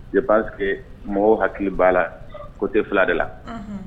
Cɛfaseke mɔgɔw hakili b'a la ko tɛ fila de la